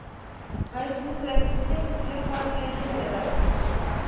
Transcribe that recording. Гаеплене күрәсең килсә, көзгегә кара дигән гыйбәрә бар